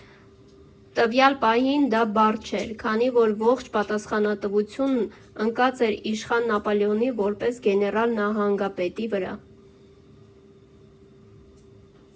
Տվյալ պահին դա բարդ չէր, քանի որ ողջ պատասխանատվությունն ընկած էր իշխան Նապոլեոնի՝ որպես գեներալ֊նահանգապետի վրա։